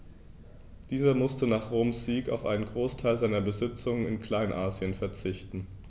Dieser musste nach Roms Sieg auf einen Großteil seiner Besitzungen in Kleinasien verzichten.